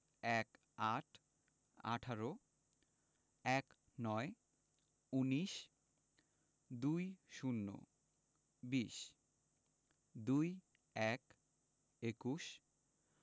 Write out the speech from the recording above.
১৮ - আঠারো ১৯ - উনিশ ২০ - বিশ ২১ – একুশ